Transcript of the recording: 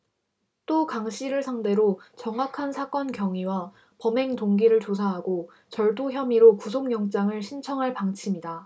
또 강씨를 상대로 정확한 사건경위와 범행 동기를 조사하고 절도 혐의로 구속영장을 신청할 방침이다